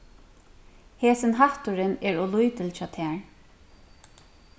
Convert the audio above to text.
hesin hatturin er ov lítil hjá tær